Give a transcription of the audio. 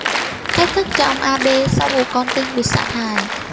thách thức cho ông abe sau vụ con tin bị sát hại